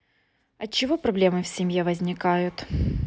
от чего проблема в семье возникает